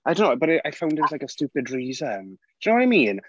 I don't know, but I found it was a stupid reason. Do you know what I mean?